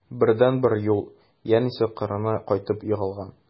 Бердәнбер юл: әнисе кырына кайтып егылган.